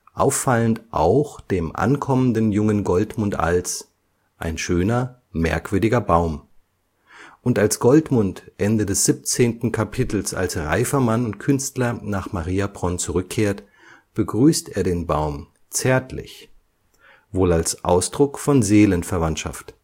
auffallend auch dem ankommenden jungen Goldmund als: Ein schöner, merkwürdiger Baum! Und als Goldmund Ende des 17. Kapitels als reifer Mann und Künstler nach Mariabronn zurückkehrt, begrüßt er den Baum zärtlich - wohl als Ausdruck von Seelenverwandtschaft